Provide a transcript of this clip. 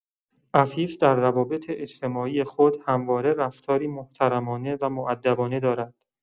عفیف در روابط اجتماعی خود همواره رفتاری محترمانه و مودبانه دارد.